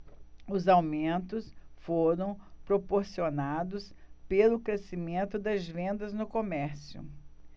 os aumentos foram proporcionados pelo crescimento das vendas no comércio